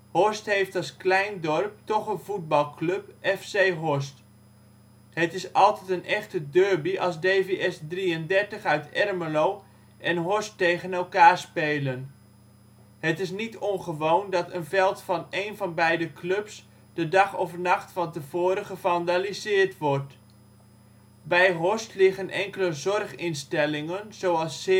Horst heeft als klein dorp toch een voetbalclub: FC Horst. Het is altijd een echte ' derby ' als D.V.S. ' 33 uit Ermelo en Horst tegen elkaar spelen. Het is niet ongewoon dat een veld van 1 van beide clubs de dag of nacht van tevoren gevandaliseerd wordt. Bij Horst liggen enkele zorginstellingen, zoals ' s